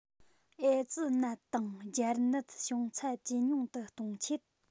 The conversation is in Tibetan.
ཨེ ཙི ནད དང སྦྱར ནད བྱུང ཚད ཇེ ཉུང དུ གཏོང ཆེད